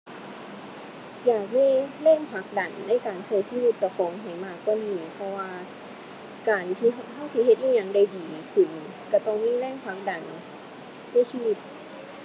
อยากมีแรงผลักดันในการใช้ชีวิตเจ้าของให้มากกว่านี้ เพราะว่าการที่ใช้สิเฮ็ดอิหยังได้ดีขึ้นใช้ต้องมีแรงผลักดันในชีวิต